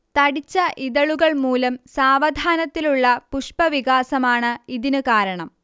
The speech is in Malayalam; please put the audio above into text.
തടിച്ച ഇതളുകൾ മൂലം സാവധാനത്തിലുള്ള പുഷ്പവികാസമാണ് ഇതിന് കാരണം